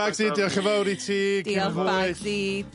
...Bagsi diolch yn fowr i ti. Diolch Bagsi.